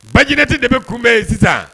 Bajineti de bɛ kunbɛn yen sisan